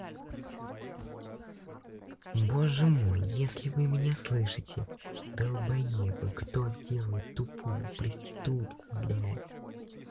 боже мой если вы меня слышите вы долбоебы кто сделает тупую проститутку блять